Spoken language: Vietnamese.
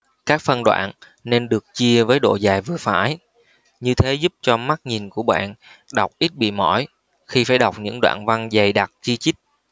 các phân đoạn nên được chia với độ dài vừa phải như thế giúp cho mắt nhìn của bạn đọc ít bị mỏi khi phải đọc những đoạn văn dầy đặc chi chít